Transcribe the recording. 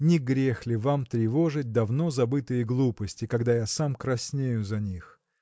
не грех ли вам тревожить давно забытые глупости когда я сам краснею за них?.